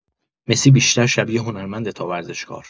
مسی بیشتر شبیه هنرمنده تا ورزشکار.